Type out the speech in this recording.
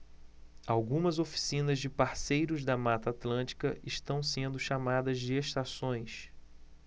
algumas oficinas de parceiros da mata atlântica estão sendo chamadas de estações